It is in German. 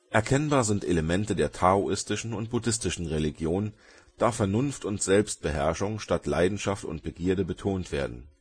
Erkennbar sind Elemente der taoistischen und buddhistischen Religion, da Vernunft und Selbstbeherrschung statt Leidenschaft und Begierde betont werden